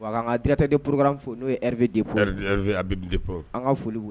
Wa ka dte de poroka n'o yɛrɛp depp an ka foli